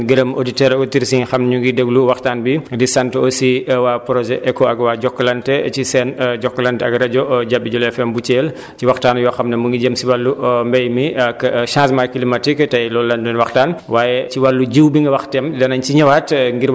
am na solo kon sant nañ la gërëm nañ la sant nañ gërëm auditeurs auditrices yi nga xam ñu ngi déglu waxtaan bi di sant aussi waa projet ECHO ak waa Jokalante ci seen jokkalante ak rajo Jabi jula FM bu Thièl ci waxtaan yoo xam ne mu ngi jëm si wàllu mbéy mi ak changement climatique tey loolu la ñu doon waxtaan